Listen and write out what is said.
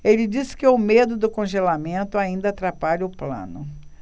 ele disse que o medo do congelamento ainda atrapalha o plano